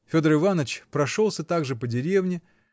Федор Иваныч прошелся также по деревне